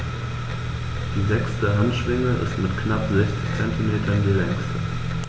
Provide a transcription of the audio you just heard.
Die sechste Handschwinge ist mit knapp 60 cm die längste.